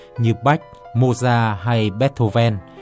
như bach mô da hay bét thô ven